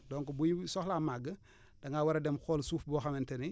donc buy soxlaa màgg da ngaa war a dem xool suuf boo xamante ne